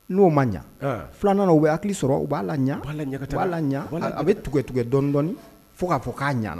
N'o ma ɲa filanan o bɛ hakili sɔrɔ u b'a la ɲa b' la a bɛ tugu tigɛ dɔnnidɔ fo k'a fɔ k'a ɲana